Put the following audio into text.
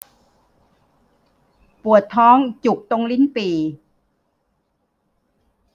ปวดท้องจุกตรงลิ้นปี่